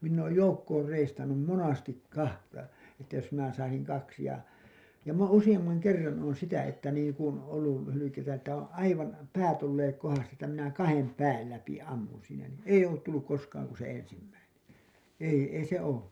minä olen joukkoon reistannut monesti kahta että jos minä saisin kaksi ja minä olen useamman kerran olen sitä että niin kuin ollut - hylkeitä että on aivan päät olleet kohdastaan että minä kahden pään läpi ammun siinä niin ei ollut tullut koskaan kuin se ensimmäinen ei ei se ole